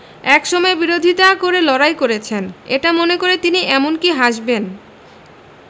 একসময় বিরোধিতা করে লড়াই করেছেন এটা মনে করে তিনি এমনকি হাসবেন